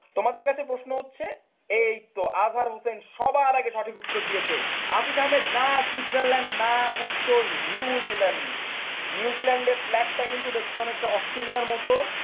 তোমাদের কাছে প্রশ্ন হচ্ছে এইতো আজহার হোসেন সবার আগে সঠিক উত্তর দিয়েছে আতিক আহমেদ না সুইজারল্যান্ড না উত্তর নিউজিল্যান্ড নিউজিল্যান্ডের ফ্ল্যাগটা কিন্তু দেখতে অনেকটা অস্ট্রেলিয়ার মতো